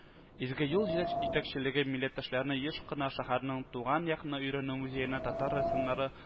Изге юл җитәк итәкчелеге милләттәшләрне еш кына шәһәрнең туган якны өйрәнү музеена татар рәссамнары